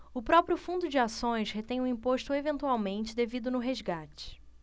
o próprio fundo de ações retém o imposto eventualmente devido no resgate